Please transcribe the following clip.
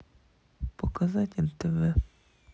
показать нтв